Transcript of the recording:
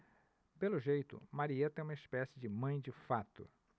pelo jeito marieta é uma espécie de mãe de fato